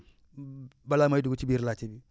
balaa may dugg ci biir laajte bi